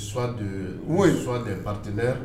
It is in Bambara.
Soit de soit des partenaires